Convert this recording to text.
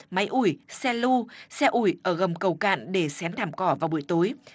máy ủi xe lu xe ủi ở gầm cầu cạn để xén thảm cỏ vào buổi tối